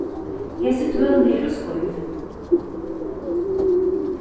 hesi tølini eru skeiv